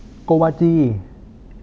โกวาจี